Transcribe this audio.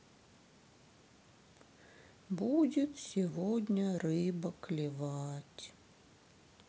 будет сегодня рыба клевать